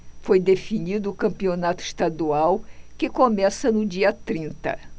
foi definido o campeonato estadual que começa no dia trinta